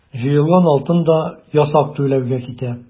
Җыелган алтын да ясак түләүгә китә.